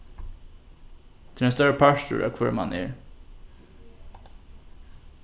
tað er ein stórur partur av hvør mann er